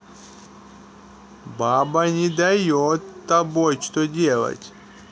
баба не дает тобой что делать